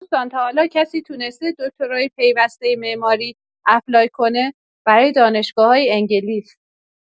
دوستان تاحالا کسی تونسته دکترای پیوسته معماری اپلای کنه برای دانشگاه‌‌های انگلیس؟